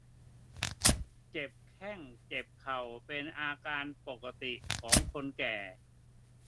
เจ็บแข้งเจ็บเข่าเป็นอาการปกติของคนแก่